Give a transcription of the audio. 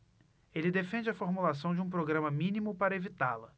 ele defende a formulação de um programa mínimo para evitá-la